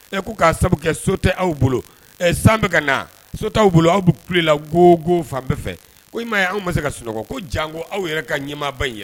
Ɛ ko ka sabu kɛ so tɛ aw bolo. Ɛ san bɛ ka na so tɛ aw bolo , aw bi kule la go go fan bɛɛ fɛ. Ko i ma ye wa anw ma se ka sunɔgɔ , ko janko aw yɛrɛ ka ɲɛmaaba in